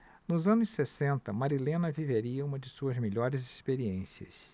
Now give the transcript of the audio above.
nos anos sessenta marilena viveria uma de suas melhores experiências